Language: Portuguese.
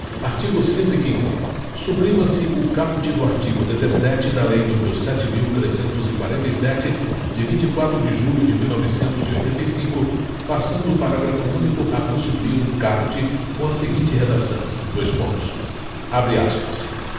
artigo cento e quinze suprima se o caput do artigo dezessete da lei número sete mil trezentos e quarenta e sete de vinte e quatro de julho de mil novecentos e oitenta e cinco passando o parágrafo único a constituir o caput com a seguinte redação dois pontos abre aspas